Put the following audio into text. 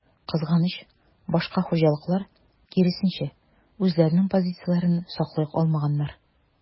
Кызганыч, башка хуҗалыклар, киресенчә, үзләренең позицияләрен саклый алмаганнар.